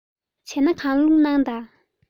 བྱས ན གང བླུགས དང